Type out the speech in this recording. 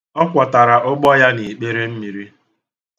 Ọ kwọtara ụgbọ ya n'ikpere mmiri.